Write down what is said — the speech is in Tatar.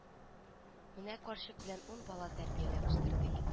Менә карчык белән ун бала тәрбияләп үстердек